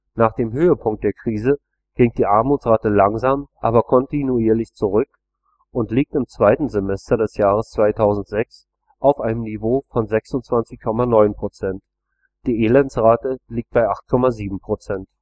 Nach dem Höhepunkt der Krise ging die Armutsrate langsam, aber kontinuierlich zurück und liegt im zweiten Semester des Jahres 2006 auf einem Niveau von 26,9 %, die Elendsrate liegt bei 8,7 %